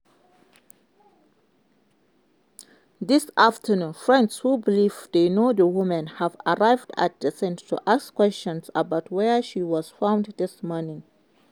This afternoon friends who believe they know the woman have arrived at the scene to ask questions about where she was found this morning.